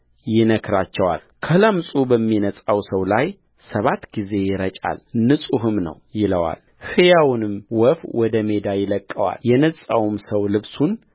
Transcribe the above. ይነክራቸዋልከለምጹ በሚነጻው ሰው ላይ ሰባት ጊዜ ይረጫል ንጹሕም ነው ይለዋል ሕያውንም ወፍ ወደ ሜዳ ይለቅቀዋልየነጻውም ሰው ልብሱን